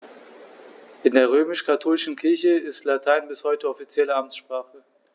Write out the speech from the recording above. In der römisch-katholischen Kirche ist Latein bis heute offizielle Amtssprache.